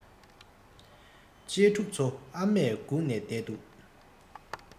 གཅེས ཕྲུག ཚོ ཨ མས སྒུག ནས བསྡད འདུག